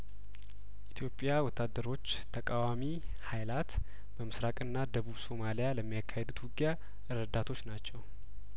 ኢትዮጵያ ወታደሮች ተቃዋሚ ሀይላት በምስራቅና ደቡብ ሶማሊያ ለሚካሄዱት ውጊያ ረዳቶች ናቸው